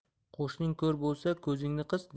qo'shning ko'r bo'lsa ko'zingni qis